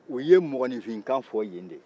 u ye mɔgɔninfinkan fɔ yen de